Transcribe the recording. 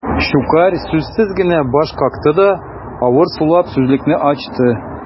Щукарь сүзсез генә баш какты да, авыр сулап сүзлекне ачты.